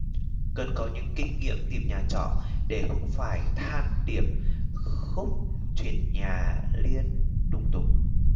cần có những kinh nghiệm tìm nhà trọ để không phải than điệp khúc chuyển nhà liên tùng tục